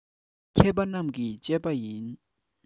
མཁས པ རྣམས ཀྱིས དཔྱད པ ཡི